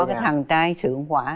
có cái thằng trai sướng quá